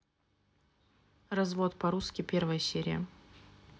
развод по русски первая серия